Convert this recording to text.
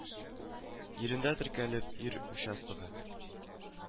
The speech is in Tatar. Ирендә теркәлеп ир участогы